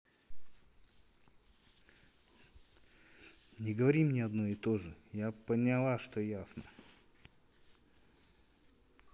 не говори мне одно и то же я поняла что ясно